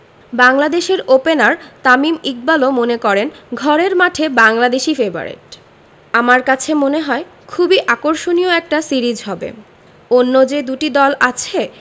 বাংলাদেশের ওপেনার তামিম ইকবালও মনে করেন ঘরের মাঠে বাংলাদেশই ফেবারিট আমার কাছে মনে হয় খুবই আকর্ষণীয় একটা সিরিজ হবে অন্য যে দুটি দল আছে